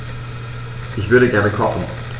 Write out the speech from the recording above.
Ich würde gerne kochen.